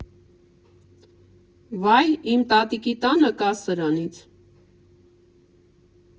«Վա՜յ, իմ տատիկի տանը կա սրանից»